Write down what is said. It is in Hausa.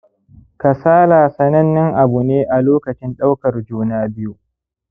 kasala sanannen abu ne a lokacin ɗaukar juna-biyu